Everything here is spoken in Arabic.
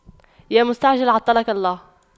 يا مستعجل عطلك الله